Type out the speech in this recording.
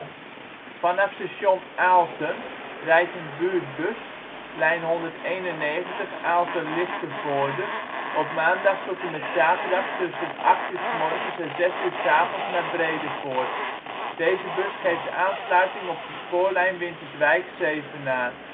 Vanaf station Aalten rijdt een Buurtbus (lijn 191 Aalten-Lichtenvoorde) op maandag t/m zaterdag tussen 8.00 en 18.00 uur naar Bredevoort. Deze bus geeft aansluiting op de spoorlijn Winterswijk - Zevenaar